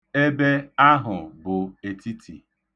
Ebe ahụ bụ etiti.